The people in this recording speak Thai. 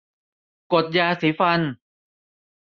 กดยาสีฟัน